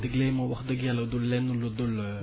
digle yi moom wax dëgg Yàlla du leen ludul